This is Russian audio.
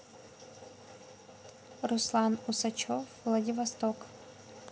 руслан усачев владивосток